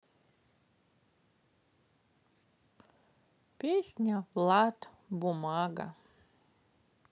песня влад бумага